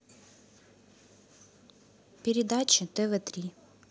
передачи тв три